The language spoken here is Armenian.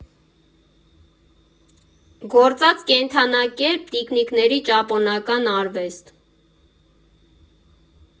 Գործած կենդանակերպ տիկնիկների ճապոնական արվեստ։